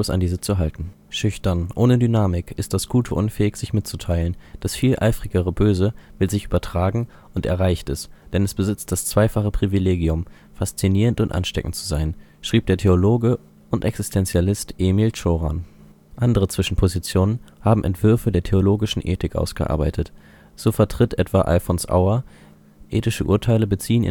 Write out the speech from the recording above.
an diese zu halten. Schüchtern, ohne Dynamik, ist das Gute unfähig, sich mitzuteilen, das viel eifrigere Böse will sich übertragen und erreicht es, denn es besitzt das zweifache Privilegium, faszinierend und ansteckend zu sein., schrieb der Theologe und Existentialist Emil Cioran. Andere Zwischenpositionen haben Entwürfe der theologischen Ethik ausgearbeitet. So vertritt etwa Alfons Auer: ethische Urteile beziehen